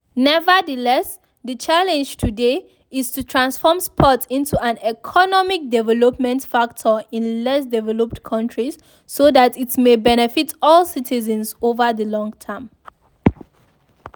Nevertheless, the challenge today is to transform sports into an economic development factor in less developed countries so that it may benefit all citizens over the long-term.